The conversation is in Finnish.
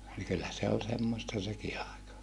niin kyllä se oli semmoista sekin aika